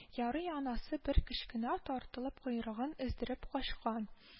Ярый анысы бар көченә тартылып койрыгын өздереп качкан